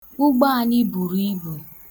Ugbo anị buru ibu.